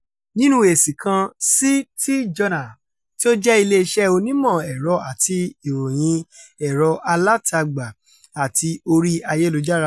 Nínú èsì kan sí TJournal, tí ó jẹ́ iléeṣẹ́ onímọ̀-ẹ̀rọ àti ìròyìn ẹ̀rọ alátagbà àti orí ayélujára.